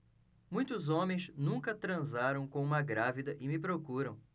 muitos homens nunca transaram com uma grávida e me procuram